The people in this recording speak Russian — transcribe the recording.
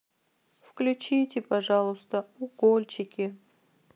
включите пожалуйста укольчики